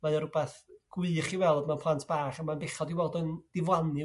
mae o r'wbeth gwych i weld mewn plant bach, a ma'n bechod i'w weld o'n diflannu